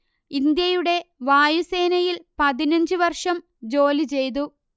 ഇന്ത്യയുടെ വായുസേനയിൽ പതിനഞ്ചു വർഷം ജോലി ചെയ്തു